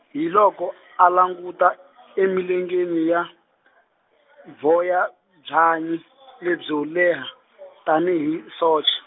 hi loko a languta, emilengeni a, vhoya byanyi, lebyo leha, tanihi, soch-.